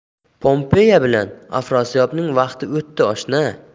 pompeya bilan afrosiyobning vaqti o'tdi oshna